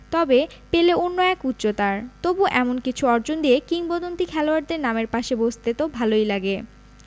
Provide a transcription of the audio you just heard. তবে পেলে অন্য এক উচ্চতার তবু এমন কিছু অর্জন দিয়ে কিংবদন্তি খেলোয়াড়দের নামের পাশে বসতে তো ভালোই লাগে